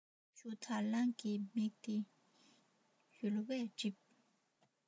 ཆུ འཐག གླང གི མིག དེ ཡོལ བས བསྒྲིབས